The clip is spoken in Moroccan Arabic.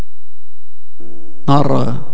مره